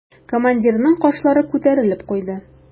Командирның кашлары күтәрелеп куйды.